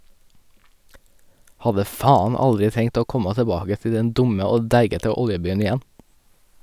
Hadde faen aldri tenkt å komma tilbake til den dumme og deigete oljebyen igjen.